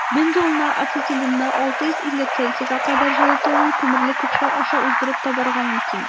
Бензолны ацетиленны 650 С кадәр җылытылган күмерле көпшә аша уздырып табарга мөмкин.